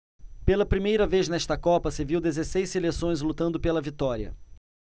pela primeira vez nesta copa se viu dezesseis seleções lutando pela vitória